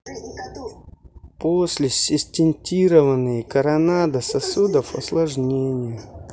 после стентированные коронадо сосудов осложнения